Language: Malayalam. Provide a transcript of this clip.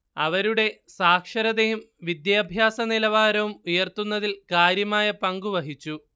അവരുടെ സാക്ഷരതയും വിദ്യാഭ്യാസനിലവാരവും ഉയർത്തുന്നതിൽ കാര്യമായ പങ്കു വഹിച്ചു